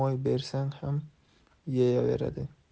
moy bersang ham yeyaveradi